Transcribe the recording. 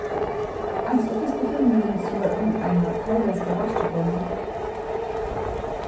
eins og fyrsti filmurin sum var um eina tailendska vaskikonu